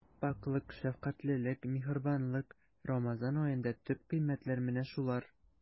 Пакьлек, шәфкатьлелек, миһербанлык— Рамазан аенда төп кыйммәтләр менә шулар.